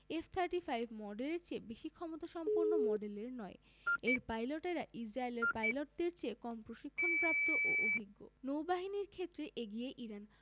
F thirty five মডেলের বেশি ক্ষমতাসম্পন্ন মডেলের নয় এর পাইলটেরা ইসরায়েলের পাইলটদের চেয়ে কম প্রশিক্ষণপ্রাপ্ত ও অভিজ্ঞ নৌবাহিনীর ক্ষেত্রে এগিয়ে ইরান